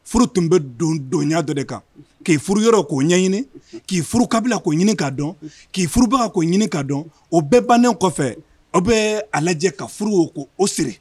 Furu tun bɛ don donya dɔ de kan k'i furu yɔrɔ k'o ɲɛɲini, k'i furu kabila k'o ɲɛɲini ka dɔn, k'i furu baga k'o ɲini k'a dɔn o bɛɛ bannen kɔfɛ aw bɛ a lajɛ ka furu o ko o siri.